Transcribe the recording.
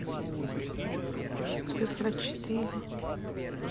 цифра четыре